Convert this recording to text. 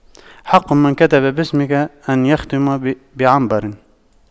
حق من كتب بمسك أن يختم بعنبر